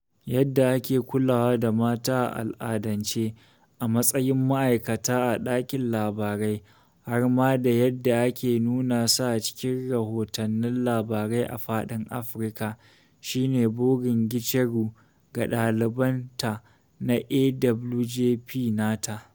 Yadda ake kulawa da mata a al'adance— a matsayin ma’aikata a ɗakin labarai, har ma da yadda ake nuna su a cikin rahotannin labarai a fadin Afirka — shi ne burin Gicheru ga daliban ta na AWJP nata.